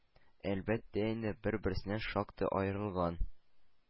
Әлбәттә инде, бер-берсеннән шактый аерылган.